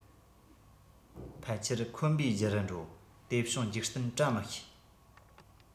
ཕལ ཆེར འཁོན པའི རྒྱུ རུ འགྲོ དེ བྱུང འཇིག རྟེན བཀྲ མི ཤིས